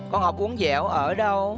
con học uốn dẻo ở đâu